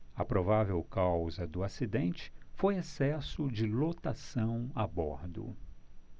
a provável causa do acidente foi excesso de lotação a bordo